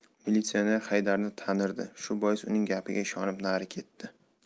militsioner haydarni tanirdi shu bois uning gapiga ishonib nari ketdi